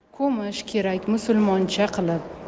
ko'mish kerak musulmoncha qilib